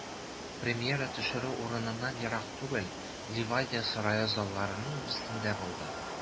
Премьера төшерү урыныннан ерак түгел, Ливадия сарае залларының берсендә булды.